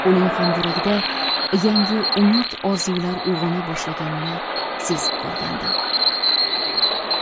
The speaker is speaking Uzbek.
uning ham yuragida yangi umid orzular uyg'ona boshlaganini sezib qolgandim